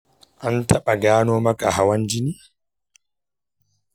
an taba gano maka hawan jini?